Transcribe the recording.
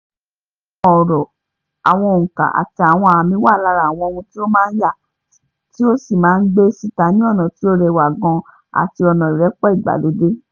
Àwọn ọ̀rọ̀, àwọn onka, àti àwọn ààmì wà lára àwọn ohun tí o máa yà tí o sì máa gbé síta ní ọ̀nà tí ó rẹwà gan-an àti ọ̀nà ìrẹ́pọ̀ ìgbàlódé.